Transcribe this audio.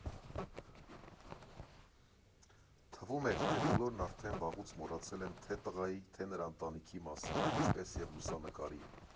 Թվում էր, թե բոլորն արդեն վաղուց մոռացել են թե՛ տղայի, թե՛ նրա ընտանիքի մասին, ինչպես և լուսանկարի։